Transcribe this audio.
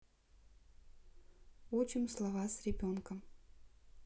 учим слова с ребенком